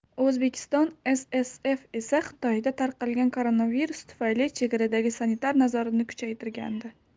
o'zbekiston ssv esa xitoyda tarqalgan koronavirus tufayli chegaradagi sanitar nazoratni kuchaytirgandi